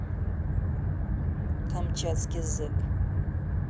камчатский зек